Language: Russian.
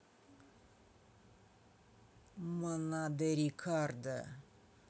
манадо рикардо